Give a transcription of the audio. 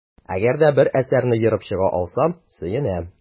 Әгәр дә бер әсәрне ерып чыга алсам, сөенәм.